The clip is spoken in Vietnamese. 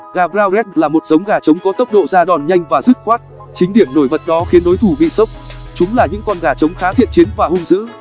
gà brownred là một giống gà trống có tốc độ ra đòn nhanh và dứt khoát chính điểm nổi bất đó khiến đối thủ bị sốc chúng là những con gà trống khá thiện chiến và hung dữ